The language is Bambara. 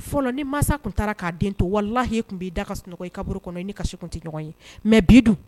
Fɔlɔ ni mansa tun taara k'a den to walahi i tun b'i da ka sunɔgɔ kaburu kɔnɔ i ni kasi tun tɛ ɲɔgɔn ye mais bi dun